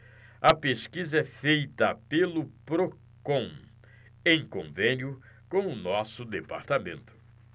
a pesquisa é feita pelo procon em convênio com o diese